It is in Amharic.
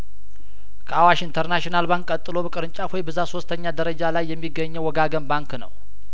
ከአዋሽ ኢንተርናሽናል ባንክ ቀጥሎ በቅርንጫፎች ብዛት ሶስተኛ ደረጃ ላይ የሚገኘው ወጋገን ባንክ ነው